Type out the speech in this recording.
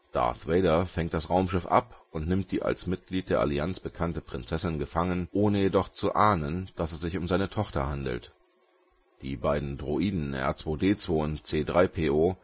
Darth Vader fängt das Raumschiff ab und nimmt die, als Mitglied der Allianz bekannte, Prinzessin gefangen (ohne jedoch zu ahnen, dass es sich um seine Tochter handelt). Die beiden Droiden R2-D2 und C-3PO